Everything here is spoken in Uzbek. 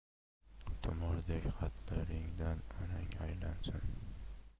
tumordek xatlaringdan onang aylansin